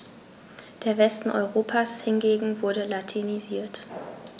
Der Westen Europas hingegen wurde latinisiert.